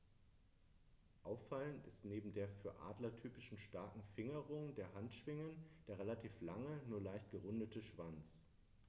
Auffallend ist neben der für Adler typischen starken Fingerung der Handschwingen der relativ lange, nur leicht gerundete Schwanz.